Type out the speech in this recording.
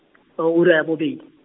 oh ura ya bobedi.